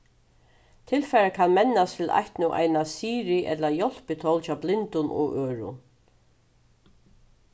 tilfarið kann mennast til eitt nú eina siri ella hjálpitól hjá blindum og øðrum